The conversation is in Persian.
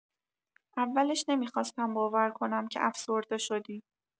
اولش نمی‌خواستم باور کنم که افسرده شدی.